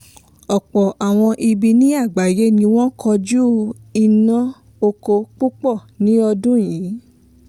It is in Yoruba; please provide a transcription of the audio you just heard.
Ọ̀pọ̀ àwọn ibi ní àgbáyé ni wọ́n kojú iná oko púpọ̀ ní ọdún yìí.